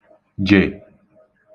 jè